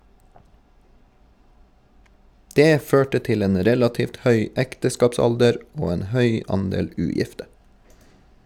Det førte til en relativt høy ekteskapsalder og en høy andel ugifte.